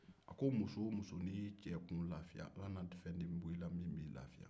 a ko muso wo muso ni y'i cɛ kun lafiya ala na fɛn b'i la min b'i lafiya